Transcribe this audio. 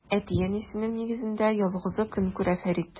Әти-әнисенең нигезендә ялгызы көн күрә Фәрид.